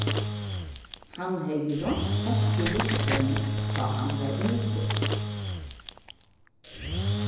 hann hevði roynt onkur rúsevni tá hann var ungur